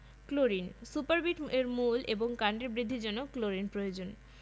সংগৃহীত জাতীয় শিক্ষাক্রম ও পাঠ্যপুস্তক বোর্ড বাংলাদেশ উদ্ভিদ বিজ্ঞান বই এর অন্তর্ভুক্ত